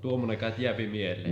tuommoinen kai jää mieleen